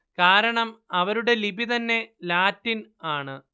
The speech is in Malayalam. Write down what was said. കാരണം അവരുടെ ലിപി തന്നെ ലാറ്റിൻ ആണ്